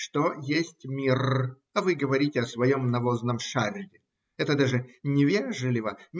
Что есть мир?, а вы говорите о своем навозном шаре это даже невежливо.